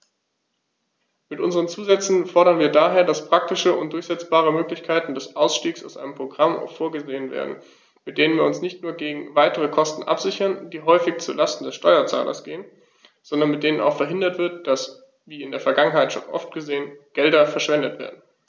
Mit unseren Zusätzen fordern wir daher, dass praktische und durchsetzbare Möglichkeiten des Ausstiegs aus einem Programm vorgesehen werden, mit denen wir uns nicht nur gegen weitere Kosten absichern, die häufig zu Lasten des Steuerzahlers gehen, sondern mit denen auch verhindert wird, dass, wie in der Vergangenheit so oft geschehen, Gelder verschwendet werden.